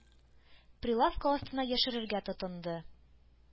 Прилавка астына яшерергә тотынды.